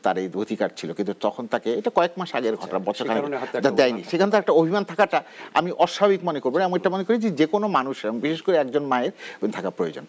তার এই অধিকার ছিল কিন্তু তখন তাকে এটা কয়েক মাসের আগের ঘটনা বছর খানেক সে কারণে হয়তো একটা অভিমান থাকতে পারে এখানে তার একটা অভিমান থাকাটা অস্বাভাবিক মনে করি না এটা মনে করি যে কোন মানুষের বিশেষ করে একজন মায়ের অভিমান থাকা প্রয়োজন